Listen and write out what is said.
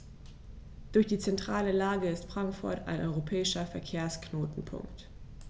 Durch die zentrale Lage ist Frankfurt ein europäischer Verkehrsknotenpunkt.